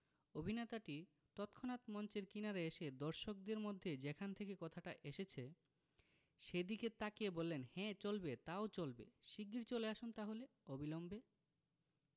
অভিনেতাটি তৎক্ষনাত মঞ্চের কিনারে এসে দর্শকদের মধ্যে যেখান থেকে কথাটা এসেছে সেদিকে তাকিয়ে বললেন হ্যাঁ চলবে তাও চলবে শিগগির চলে আসুন তাহলে অবিলম্বে